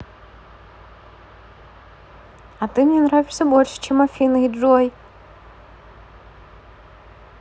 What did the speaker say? а ты мне нравишься больше чем афина и джой